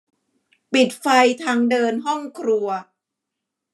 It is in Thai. ปิดไฟทางเดินห้องครัว